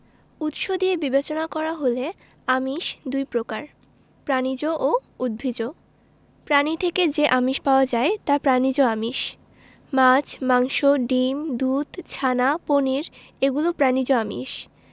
উৎস দিয়ে বিবেচনা করা হলে আমিষ দুই প্রকার প্রাণিজ ও উদ্ভিজ্জ প্রাণী থেকে যে আমিষ পাওয়া যায় তা প্রাণিজ আমিষ মাছ মাংস ডিম দুধ ছানা পনির এগুলো প্রাণিজ আমিষ